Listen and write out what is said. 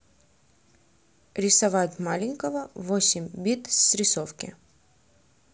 рисовать маленького восемь бит с рисовки